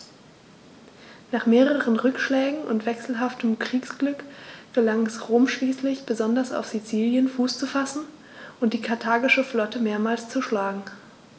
Nach mehreren Rückschlägen und wechselhaftem Kriegsglück gelang es Rom schließlich, besonders auf Sizilien Fuß zu fassen und die karthagische Flotte mehrmals zu schlagen.